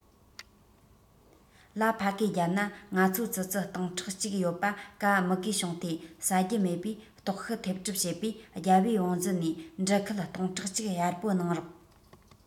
ལ ཕ གིའི རྒྱབ ན ང ཚོ ཙི ཙི སྟིང ཕྲག གཅིག ཡོད པ ག མུ གེ བྱུང སྟེ ཟ རྒྱུ མེད བས ལྟོགས ཤི ཐེབས གྲབས བྱེད པས རྒྱལ པོའི བང མཛོད ནས འབྲུ ཁལ སྟོང ཕྲག གཅིག གཡར པོ གནང རོགས